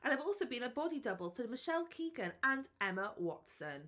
And I've also been a body double for Michelle Keegan and Emma Watson.